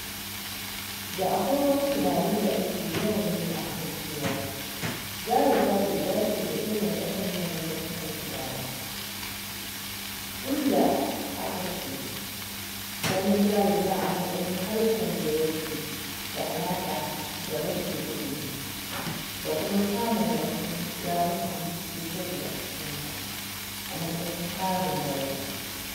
Da akwai wani tunani da ake yawan yi kan cewa Darija bai dace da irin waɗannan nau’ikan kiɗa ba, inda ake ganin Darija a matsayin harshen da ya ke da alaƙa da rashin ilimi, da kuma samun wasu yarukan ƙetare a cikinsa a matsayin ƙarin daraja.